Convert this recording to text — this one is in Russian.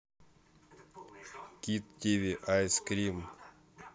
кид тиви айс крим